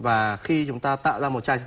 và khi chúng ta tạo ra một trang